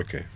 ok